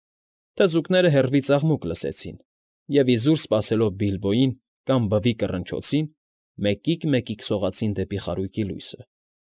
Թզուկները հեռվից աղմուկ լսեցին և, իզուր սպասելով Բիլբոյին կամ բվի կռնչոցին, մեկիկ֊մեկիկ սողացին դեպի խարույկի լույսը։